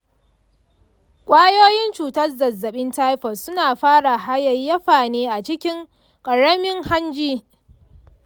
kwayoyin cutar zazzabin taifot suna fara hayayyafa ne a cikin ƙaramin hanji.